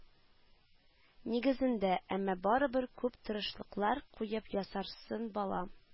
Нигезендә, әмма барыбер күп тырышлыклар куеп ясарсың, балам